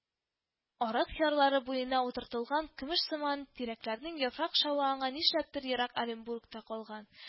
Арык ярлары буена утыртылган көмешсыман тирәкләрнең яфраклар шавы аңа нишләптер ерак Оренбургта калган